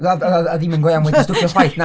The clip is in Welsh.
A ddim yn go iawn wedi'i stwffio chwaith.